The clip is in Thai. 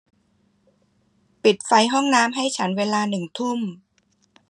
ปิดไฟห้องน้ำให้ฉันเวลาหนึ่งทุ่ม